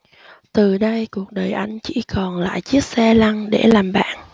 từ đây cuộc đời anh chỉ còn lại chiếc xe lăn để làm bạn